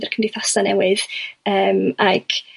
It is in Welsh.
a'r cymdeithasau newydd ymm ag